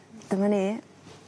Dyma ni.